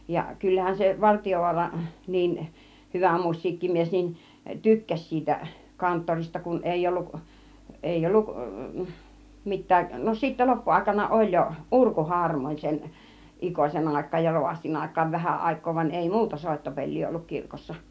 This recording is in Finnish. ja kyllähän se Vartiovaara niin hyvä musiikkimies niin tykkäsi siitä kanttorista kun ei ollut ei ollut mitään no sitten loppuaikana oli jo urkuharmoni sen Ikosen aikaan ja rovastin aikaan vähä aikaa vaan ei muuta soittopeliä ollut kirkossa